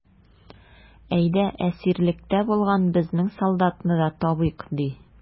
Әйдә, әсирлектә булган безнең солдатны да табыйк, ди.